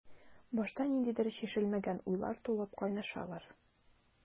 Башта ниндидер чишелмәгән уйлар тулып кайнашалар.